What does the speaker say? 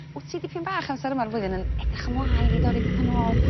wt ti dipyn bach amser yma'r flwyddyn yn edrych ymlaen i dorri petha nôl?